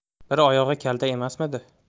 bir oyog'i kalta emasmidi